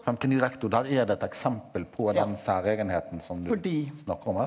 59 der er det et eksempel på den særegenheten som de snakker om her.